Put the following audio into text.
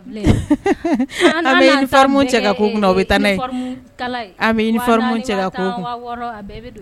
Bleyi an be uniforme w cɛ ka k'u kuna u be taa n'a ye an be uniforme cɛ k'a k'u kun 4000, 10.000, 6000 a bɛɛ be don